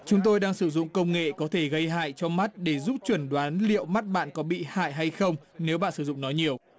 chúng tôi đang sử dụng công nghệ có thể gây hại cho mắt để giúp chẩn đoán liệu mắt bạn có bị hại hay không nếu bạn sử dụng nó nhiều